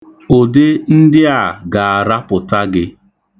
Ụdị ndị a ga-arapụta gị.